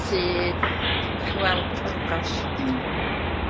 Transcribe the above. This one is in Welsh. sydd, dach chi weld o gosh. Hmm.